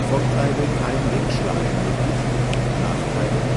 Vorteile: kein Leckschlagen möglich Nachteile: